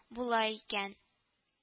Була икән